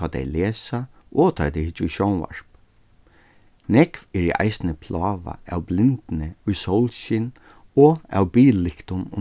tá tey lesa og tá ið tey hyggja í sjónvarp nógv eru eisini plágað av blindni í sólskin og av billyktum